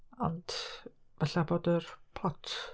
Ond, falla bod yr plot...